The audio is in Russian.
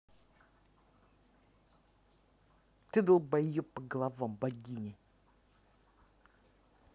ты долбаеб по головам богини